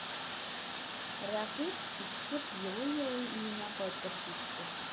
Рәкыйп үксеп елый-елый өенә кайтып китте.